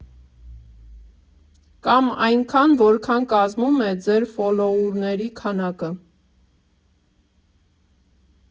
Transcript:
Կամ այնքան, որքան կազմում է ձեր ֆոլոուերների քանակը։